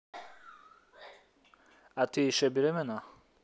а ты еще беременна